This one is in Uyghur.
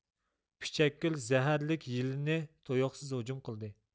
پىچەكگۈل زەھەرلىك يىلىنى تۇيۇقسىز ھۇجۇم قىلدى